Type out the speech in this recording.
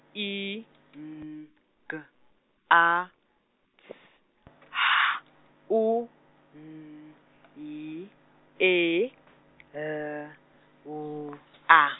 I N G A S H U N Y E L W A.